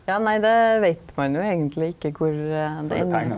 ja nei det veit ein jo eigentleg ikkje kvar det endar.